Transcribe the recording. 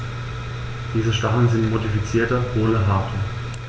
Diese Stacheln sind modifizierte, hohle Haare.